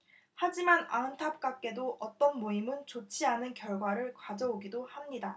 하지만 안타깝게도 어떤 모임은 좋지 않은 결과를 가져오기도 합니다